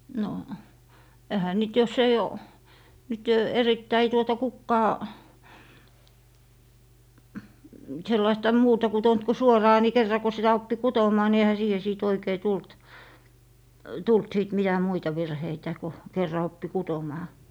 no eihän niitä jos ei ole nyt erittäin tuota kukaan sellaista muuta kutonut kuin suoraa niin kerran kun sitä oppi kutomaan niin eihän siihen sitten oikein tullut tullut sitten mitä muita virheitä kun kerran oppi kutomaan